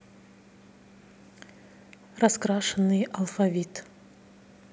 раскрашенный алфавит